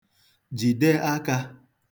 jide akā